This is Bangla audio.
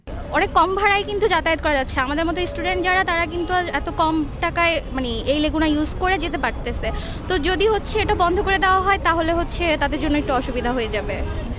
অনেক কম ভাড়ায় কিন্তু যাতায়াত করা যাচ্ছে আমাদের মত স্টুডেন্ট যারা তারা কিন্তু এত কম টাকায় এই লেগুনা ইউজ করে যেতে পারতেছে তো যদি হচ্ছে এটা বন্ধ করে দেয়া হয় তাহলে হচ্ছে তাদের জন্য একটু অসুবিধা হবে যাবে